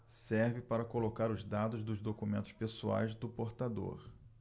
serve para colocar os dados dos documentos pessoais do portador